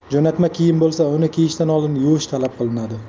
jo'natma kiyim bo'lsa uni kiyishdan oldin yuvish talab qilinadi